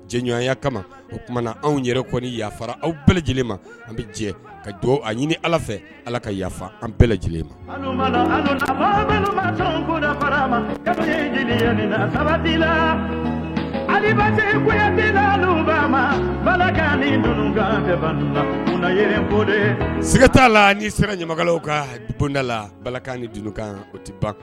Cɛɲɔgɔnya kama o tuma anw yɛrɛ kɔni yafara aw bɛɛlɛ lajɛlen ma an bɛ jɛ ka dugawu a ɲini ala fɛ ala ka yafa an bɛɛ lajɛlen ma sabati lase ma bala kunda sɛgɛiga t'a la ni se ɲamakalaw kabonda la balakan ni dukan o tɛ ba